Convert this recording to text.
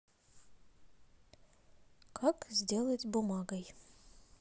как сделать бумагой